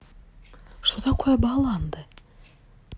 что такое баланда